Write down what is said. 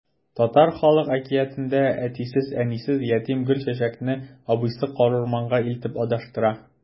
Татар халык әкиятендә әтисез-әнисез ятим Гөлчәчәкне абыйсы карурманга илтеп адаштыра.